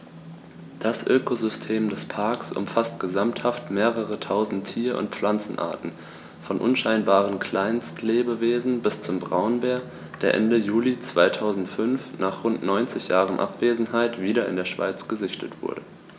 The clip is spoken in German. Das Ökosystem des Parks umfasst gesamthaft mehrere tausend Tier- und Pflanzenarten, von unscheinbaren Kleinstlebewesen bis zum Braunbär, der Ende Juli 2005, nach rund 90 Jahren Abwesenheit, wieder in der Schweiz gesichtet wurde.